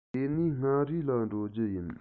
དེ ནས མངའ རིས ལ འགྲོ རྒྱུ ཡིན